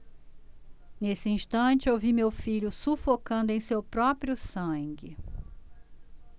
nesse instante ouvi meu filho sufocando em seu próprio sangue